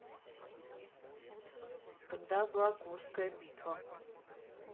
когда была курская битва